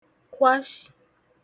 kwashị̀